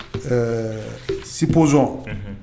Ɛɛ sibonz